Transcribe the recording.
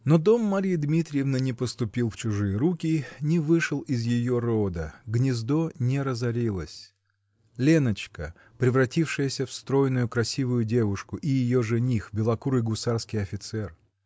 Но дом Марьи Дмитриевны не поступил в чужие руки, не вышел из ее рода, гнездо не разорилось: Леночка, превратившаяся в стройную, красивую девушку, и ее жених -- белокурый гусарский офицер